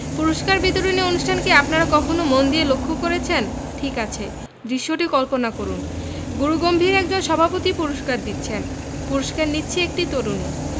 পুরস্কার বিতরণী অনুষ্ঠান কি আপনারা কখনো মন দিয়ে লক্ষ্য করেছেন ঠিক আছে দৃশ্যটি কল্পনা করুন গুরুগম্ভীর একজন সভাপতি পুরস্কার দিচ্ছেন পুরস্কার নিচ্ছে একটি তরুণী